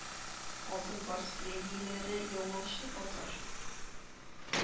Алтын Барс премияләре яулаучы, Татар